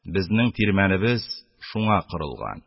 Безнең тирмәнебез шуңа корылган.